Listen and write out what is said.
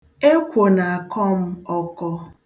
Ekwo na-akọ m ọkọ.